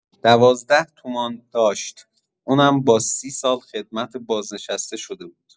۱۲ تومن داشت، اونم با ۳۰ سال خدمت بازنشسته شده بود.